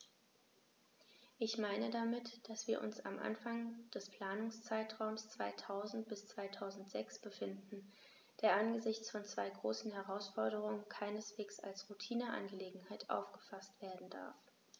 Ich meine damit, dass wir uns am Anfang des Planungszeitraums 2000-2006 befinden, der angesichts von zwei großen Herausforderungen keineswegs als Routineangelegenheit aufgefaßt werden darf.